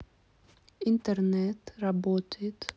интернет работает